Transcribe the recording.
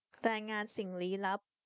รายงานสิ่งลี้ลับ